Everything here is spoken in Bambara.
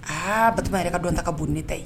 Aa bato yɛrɛ ka dɔn ta ka bon ne ta ye